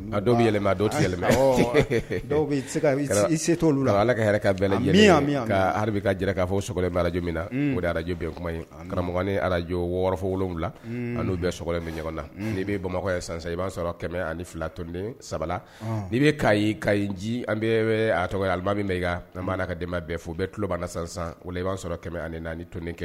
Dɔw la ala kabi jira k'a fɔ sogoj min na o araj kuma karamɔgɔ ni arajo wɔɔrɔfɔwula ani'u bɛ ni ɲɔgɔn na nii bɛ bama ye san i b'a sɔrɔ kɛmɛ fila tonen saba n bɛ ka ka nci an bɛ a tɔgɔ a min an b'a la ka den ma bɛɛ fo bɛɛ tulolobana san i b'a sɔrɔ kɛmɛ ani naani t kelen